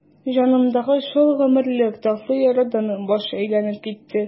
Җанымдагы шул гомерлек татлы ярадан баш әйләнеп китте.